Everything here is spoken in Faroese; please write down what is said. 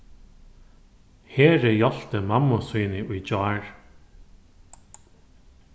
heri hjálpti mammu síni í gjár